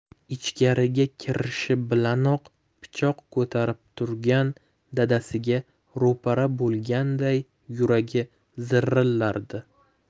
ichkariga kirishi bilanoq pichoq ko'tarib turgan dadasiga ro'para bo'ladiganday yuragi zirillardi